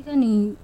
I ka nin ɲi